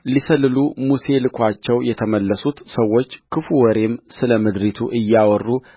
ሊሰልሉ ሙሴ ልኮአቸው የተመለሱት ሰዎች ክፉ ወሬም ስለ ምድሪቱ እያወሩ